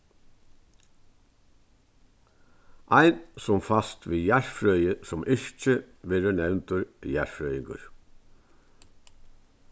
ein sum fæst við jarðfrøði sum yrki verður nevndur jarðfrøðingur